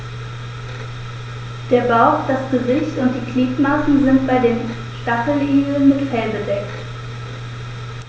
Der Bauch, das Gesicht und die Gliedmaßen sind bei den Stacheligeln mit Fell bedeckt.